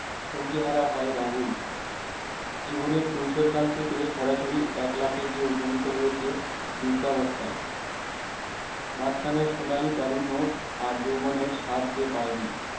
সঙ্গীহারা হয় রাহুল জীবনের কৈশোরকাল থেকে সরাসরি এক লাফে যে উপনীত হয়েছে বৃদ্ধাবস্থায় মাঝখানের সোনালী তারুন্য আর যৌবনের স্বাদ যে পায়নি